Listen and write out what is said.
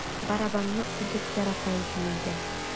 Барабанны үлеп ярата иде инде.